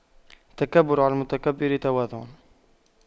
التكبر على المتكبر تواضع